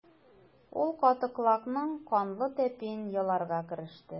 Ул каты колакның канлы тәпиен яларга кереште.